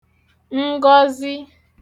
ngọzị